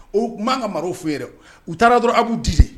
O'an ka mara f yen u taara dɔrɔn a bbuu diz